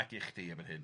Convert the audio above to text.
ac i chdi erbyn hyn.